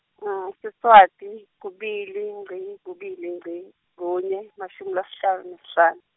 Siswati kubili ngci, kubili ngci, kune, emashumi lasihlanu sihlanu.